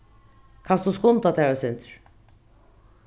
kanst tú skunda tær eitt sindur